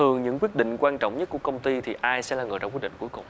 thường những quyết định quan trọng nhất của công ty thì ai sẽ là người đã quyết định cuối cùng